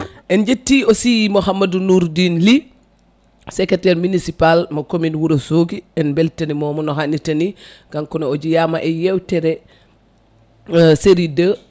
en jetti aussi Mouhamadou Nourdine Ly secrétaire municipal mo commune Wourossogui en beltanimomo no hannirta ni kankone o jeyama e yewtere série 2